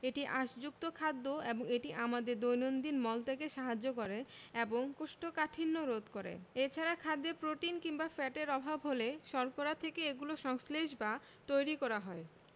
এটি আঁশযুক্ত খাদ্য এবং এটি আমাদের দৈনন্দিন মল ত্যাগে সাহায্য করে এবং কোষ্ঠকাঠিন্য রোধ করে এছাড়া খাদ্যে প্রোটিন কিংবা ফ্যাটের অভাব হলে শর্করা থেকে এগুলো সংশ্লেষ বা তৈরী করা হয়